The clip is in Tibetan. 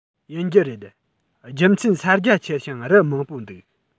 ཡིན རྒྱུ རེད རྒྱུ མཚན ས རྒྱ ཆེ ཞིང རི མང པོ འདུག